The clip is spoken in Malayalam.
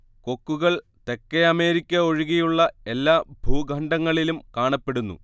കൊക്കുകൾ തെക്കേ അമേരിക്ക ഒഴികെയുള്ള എല്ലാ ഭൂഖണ്ഡങ്ങളിലും കാണപ്പെടുന്നു